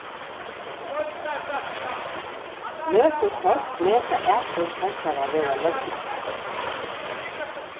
nøkur fólk meta atburð hansara vera løgnan